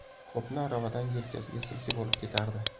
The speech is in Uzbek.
qopni aravadan yelkasiga silkib olib ketardi